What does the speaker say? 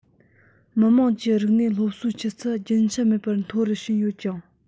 མི དམངས ཀྱི རིག གནས སློབ གསོའི ཆུ ཚད རྒྱུན ཆད མེད པར མཐོ རུ ཕྱིན ཡོད ཅིང